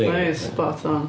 Odd un fi'n sbot on.